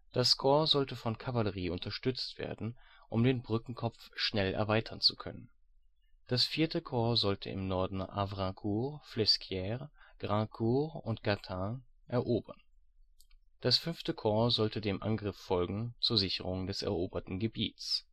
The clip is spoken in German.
Corps sollte von Kavallerie unterstützt werden, um den Brückenkopf schnell erweitern zu können. Das IV. Corps sollte im Norden Havrincourt, Flesquières, Graincourt und Cantaing erobern. Das V. Corps sollte dem Angriff folgen - zur Sicherung des eroberten Gebiets